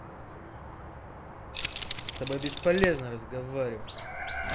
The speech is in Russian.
с тобой бесполезно разговаривать